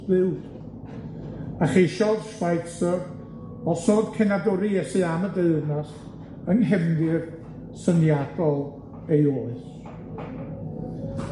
Dduw, a cheisiodd Schweitzer osod cenadwri Iesu am y deyrnas yng nghefndir syniadol ei oes.